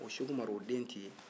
o seku umaru o den t'e ye